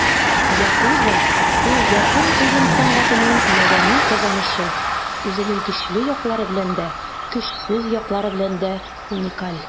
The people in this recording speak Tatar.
Yakuza - ул япон уен сәнәгатенең мәдәни казанышы, үзенең көчле яклары белән дә, көчсез яклары белән дә уникаль.